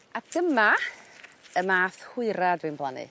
A dyma y math hwyra dwi'n blannu.